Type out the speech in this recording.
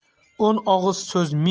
o'n og'iz so'z